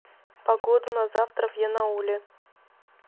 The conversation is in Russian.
погоду на завтра в янауле